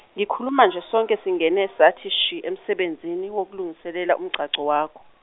ngikhuluma nje sonke singene sathi shi, emsebenzini wokulungiselela umgcagco wakho.